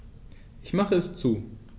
Ich mache es zu.